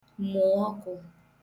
mụ ọkụ